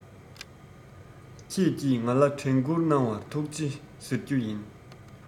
ཁྱེད ཀྱིས ང ལ དྲན ཀུར གནང བར ཐུག ཆེ ཟེར རྒྱུ ཡིན